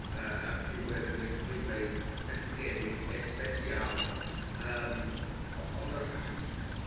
yy ar ddiwedd y ddring- dringfeydd melltigedig especial 'ma. Yym yy o- o'n n'w ...